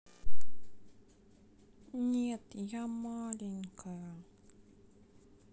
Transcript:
нет я маленькая